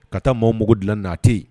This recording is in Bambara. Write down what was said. Ka taa maaw mugu dilan naaatɛ yen